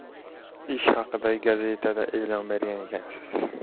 ish haqida gazetada e'lon bergan ekansiz